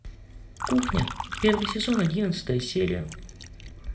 кухня первый сезон одиннадцатая серия